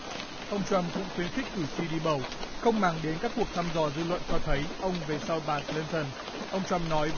ông trăm cũng khuyến khích cử tri đi bầu không màng đến các cuộc thăm dò dư luận cho thấy ông về sau bà cờ lia tờn ông trăm nói